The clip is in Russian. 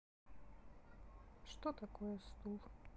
что такое стул